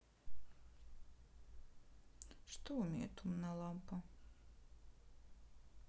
что умеет умная лампа